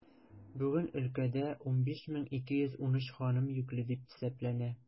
Бүген өлкәдә 15213 ханым йөкле дип исәпләнә.